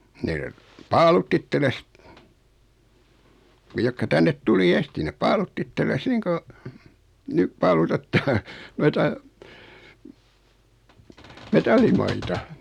ne paalutti itsellensä ne jotka tänne tuli ensisti ne paalutti itsellensä niin kuin nyt paalutetaan noita metallimaita